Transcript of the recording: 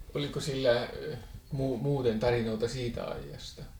oliko sillä muuten tarinoita siitä ajasta